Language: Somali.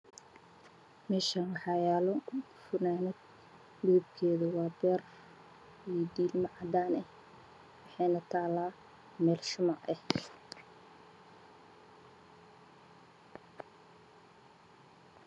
Meeshaan waxaa yaalo fanaanad midabkeedii yahay cadaan madow diir diirmo guduud meesha ay taalo waa cadday